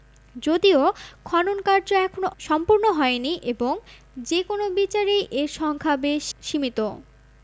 যদিও খনন কার্য এখনও সম্পূর্ণ হয়নি এবং যে কোন বিচারেই এর সংখ্যা বেশ সীমিত